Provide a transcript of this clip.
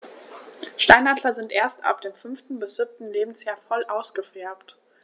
Steinadler sind erst ab dem 5. bis 7. Lebensjahr voll ausgefärbt.